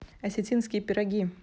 осетинские пироги